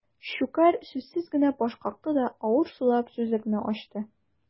Щукарь сүзсез генә баш какты да, авыр сулап сүзлекне ачты.